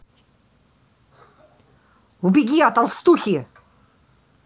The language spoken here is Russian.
убеги от толстухи